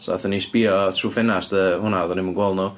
So aethon ni i sbïo trwy ffenast, yy, hwnna, oedden ni'm yn gweld nhw.